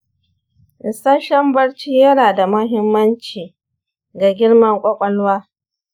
isasshen barci yana da mahimmanci ga girman kwakwalwa.